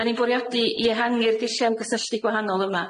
'Dan ni'n bwriadu i ehangu'r dulliau ymgysylltu gwahanol yma